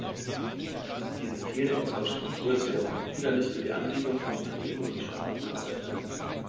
Diese fehlende Infrastruktur ist wiederum ein Hindernis für die Ansiedlung von Unternehmen und die Schaffung von Arbeitsplätzen.